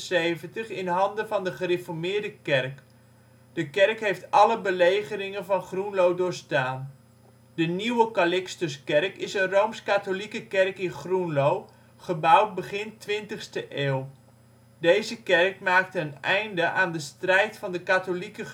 1674 in handen van de gereformeerde kerk. De kerk heeft alle belegeringen van Groenlo doorstaan. De Nieuwe Calixtuskerk is een rooms-katholieke kerk in Groenlo, gebouwd begin 20e eeuw. Deze kerk maakte een einde aan de strijd van de katholieke